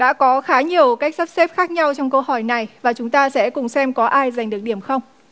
đã có khá nhiều cách sắp xếp khác nhau trong câu hỏi này và chúng ta sẽ cùng xem có ai giành được điểm không